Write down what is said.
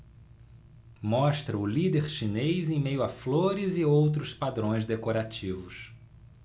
mostra o líder chinês em meio a flores e outros padrões decorativos